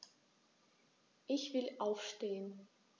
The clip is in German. Ich will aufstehen.